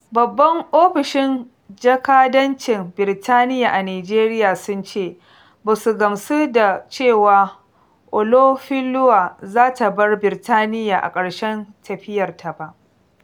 Babban Ofishin Jakadancin Birtaniya a Nijeriya sun ce "ba su gamsu" da cewa Olofinlua za ta bar Birtaniya a ƙarshen tafiyarta ba.